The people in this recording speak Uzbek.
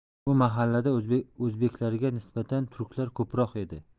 bu mahallada o'zbeklarga nisbatan turklar ko'proq edi